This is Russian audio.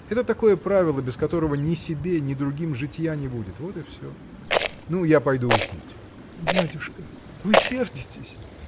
Это такое правило, без которого ни себе, ни другим житья не будет. Вот и всё. Ну, я пойду уснуть. – Дядюшка! вы сердитесь?